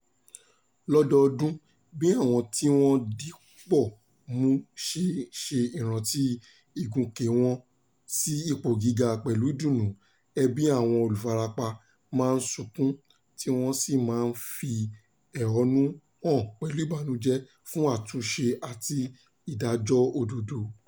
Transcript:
Lọ́dọọdún, bí àwọn tí wọ́n dipò mú ṣe ń ṣe ìrántí ìgùnkè wọn sí ipò gíga pẹ̀lú ìdùnnú, ẹbí àwọn olùfarapa máa ń sunkún, tí wọ́n sì máa ń fi ẹhónú hàn pẹ̀lú ìbànújẹ́ fún àtúnṣe àti ìdájọ́ òdodo.